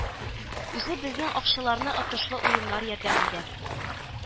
Үзе безнең акчаларны отышлы уеннар ярдәмендә